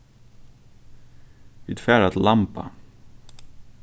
vit fara til lamba